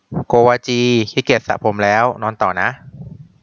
โกวาจีขี้เกียจสระผมแล้วนอนต่อนะ